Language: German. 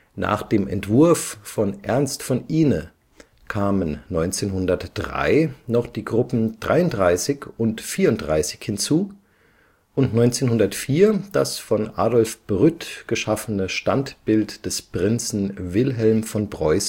Nach dem Entwurf von Ernst von Ihne kamen 1903 noch die Gruppen 33 und 34 hinzu und 1904 das von Adolf Brütt geschaffene Standbild des Prinzen Wilhelm von Preußen